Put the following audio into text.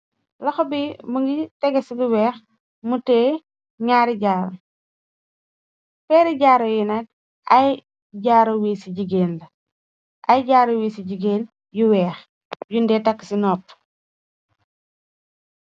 Laxo bi mu ngi tegé ci lu weex mutee ñaari jaaru. Peeri jaaru yu nak ay jaaru wii ci jigéen la ay jaaru wiis ci jigéen yu weex yunde takk ci noppu.